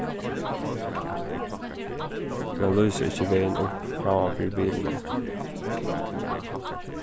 men lýsa ikki vegin upp framman fyri bilinum